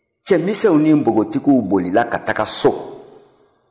cɛmisɛnw ni npogotigiw bolila ka taga so